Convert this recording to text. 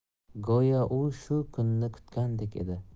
go'yo u shu kunni kutgandek edi